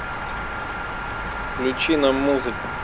включи нам музыку